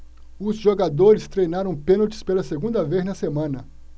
os jogadores treinaram pênaltis pela segunda vez na semana